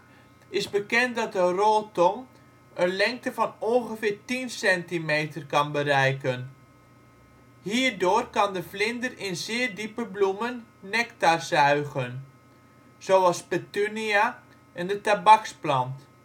dat de roltong een lengte van ongeveer 10 centimeter kan bereiken. Hierdoor kan de vlinder in zeer diepe bloemen nectar zuigen, zoals Petunia en de tabaksplant